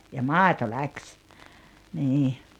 ja maito lähti niin